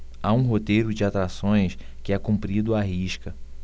há um roteiro de atrações que é cumprido à risca